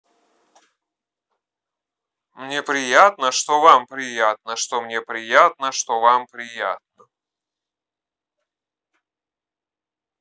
мне приятно что вам приятно что мне приятно что вам приятно